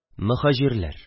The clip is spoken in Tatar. Мөһаҗирләр